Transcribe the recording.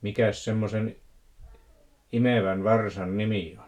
mikäs semmoisen imevän varsan nimi on